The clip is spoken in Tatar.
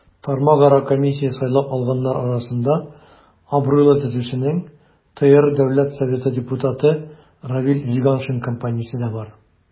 Тармакара комиссия сайлап алганнар арасында абруйлы төзүченең, ТР Дәүләт Советы депутаты Равил Зиганшин компаниясе дә бар.